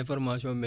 mun nga ko am